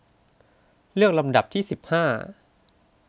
เลือกลำดับที่สิบห้า